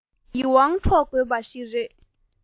ཡིད དབང འཕྲོག དགོས པ ཞིག རེད